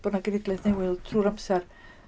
Bod yna genedlaeth newydd trwy'r amser. .